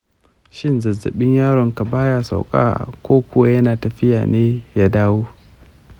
shin zazzabin yaron ka baya sauka ko kuwa yana tafiya ne ya dawo?